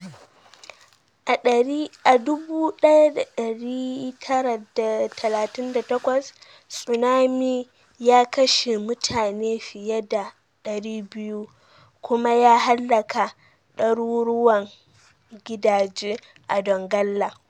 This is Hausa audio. A 1938, tsunami ya kashe mutane fiye da 200 kuma ya hallaka daruruwan gidaje a Donggala.